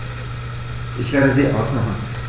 Ich werde sie ausmachen.